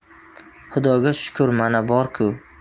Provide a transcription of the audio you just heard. xudoga shukur mana bor ku